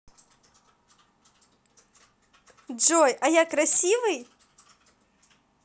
джой а я красивый